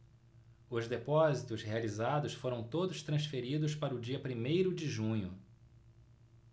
os depósitos realizados foram todos transferidos para o dia primeiro de junho